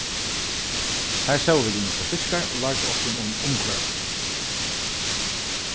har sóu vit ymiskar fiskar og lærdu okkum um umhvørvið